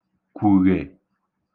kwughe